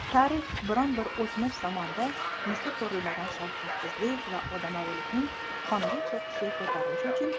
tarix biron bir o'tmish zamonda misli ko'rilmagan shafqatsizlik va odamkushlikning qonli cho'qqisiga ko'tarilishi uchun